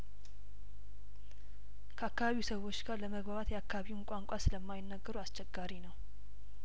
ከአካባቢው ሰዎች ጋር ለመግባባት የአካባቢውን ቋንቋ ስለማይነገሩ አስቸጋሪ ነው